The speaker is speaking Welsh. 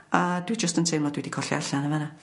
a dwi jyst yn teimlo dwi 'di colli allan yn fanna